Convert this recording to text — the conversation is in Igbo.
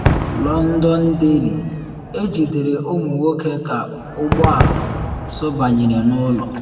Londonderry: Ejidere ụmụ nwoke ka ụgbọ ala sụbanyere n’ụlọ